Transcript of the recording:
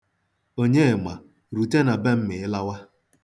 Onyema, rute na be m ma ị lawa.